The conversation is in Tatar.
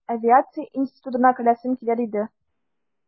Авиация институтына керәсем килә, диде...